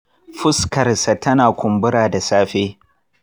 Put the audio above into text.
fuskarsa tana kumbura da safe.